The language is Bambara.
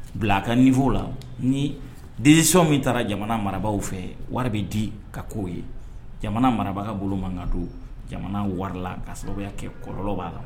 Bila a ka ninfɔ la ni desɔn min taara jamana marabagaw fɛ wari bɛ di ka koo ye jamana marabaa ka bolo manka don jamana warala ka sababu kɛ kɔlɔnlɔ b'a la